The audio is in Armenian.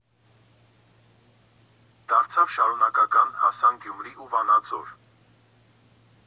Դարձավ շարունակական, հասան Գյումրի ու Վանաձոր։